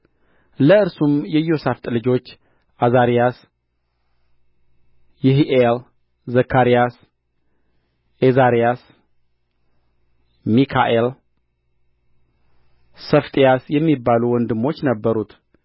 ለእርሱም የኢዮሣፍጥ ልጆች ዓዛርያስ ይሒኤል ዘካርያስ ዔዛርያስ ሚካኤል ሰፋጥያስ የሚባሉ ወንድሞች ነበሩት